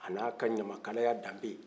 ani a ka ɲamakalaya danbe